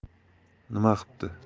nima qipti